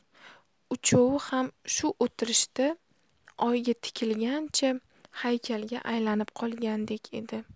uchovi ham shu o'tirishda oyga tikilgancha haykalga aylanib qolgandek edi